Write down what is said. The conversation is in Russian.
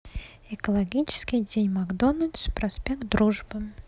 экологический день макдональдс проспект дружбы